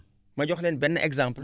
ma jox leen benn exemple